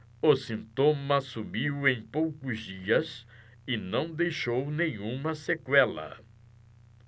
o sintoma sumiu em poucos dias e não deixou nenhuma sequela